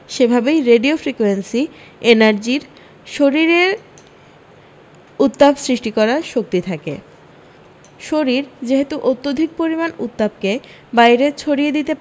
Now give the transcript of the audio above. সেভাবেই radio frequency এনার্জির শরীরে উত্তাপ সৃষ্টি করার শক্তি থাকে শরীর যেহেতু অত্যধিক পরিমাণ উত্তাপকে বাইরে ছড়িয়ে দিতে